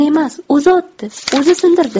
men emas o'zi otdi o'zi sindirdi